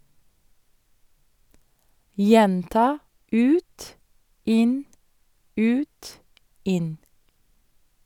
Gjenta ut, inn, ut, inn.